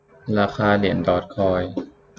ราคาเหรียญดอร์จคอย